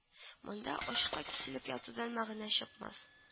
– монда ачка киселеп ятудан мәгънә чыкмас